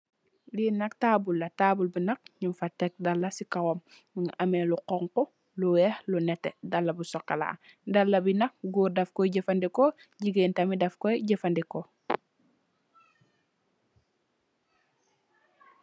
Li nak tabul la. Tabul bi nak nyung fa tek dalah ci kawam. Mungi am lu xonxo lu weex, lu neteh. Daluh bu chocola, dalah bi nak, goor daf koi jefa ndikoo, jigeen tam dafkoi jefa ndikoo.